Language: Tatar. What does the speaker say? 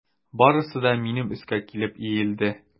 Барысы да минем өскә килеп иелде.